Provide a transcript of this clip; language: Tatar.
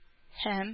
Һәм